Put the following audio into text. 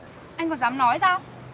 anh còn dám nói sao